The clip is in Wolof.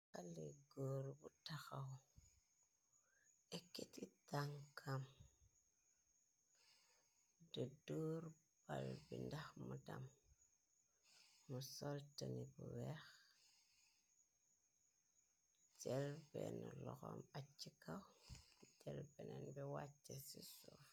Xale góor bu taxaw ekiti tankam de duur bal bi ndax mu dam mu soltani bu weex jel benn loxom ac ci kaw jel benen bi wacce ci suuf.